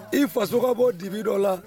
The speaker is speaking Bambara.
I faso ka bɔ dibi dɔ la.